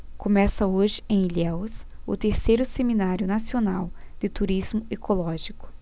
começa hoje em ilhéus o terceiro seminário nacional de turismo ecológico